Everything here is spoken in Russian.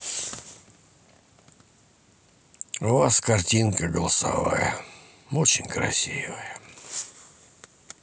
у вас картинка голосовая очень красивая